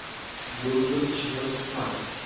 burgut chivin tutmas